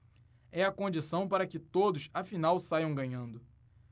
é a condição para que todos afinal saiam ganhando